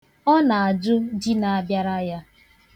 Ọ na-ajụ di na-abịara ya